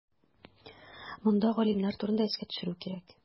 Монда галимнәр турында искә төшерү кирәк.